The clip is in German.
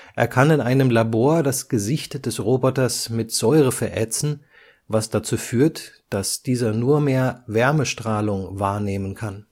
Er kann in einem Labor das Gesicht des Roboters mit Säure verätzen, was dazu führt, dass dieser nur mehr Wärmestrahlung wahrnehmen kann